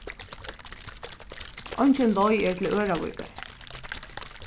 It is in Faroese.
eingin leið er til ørðavíkar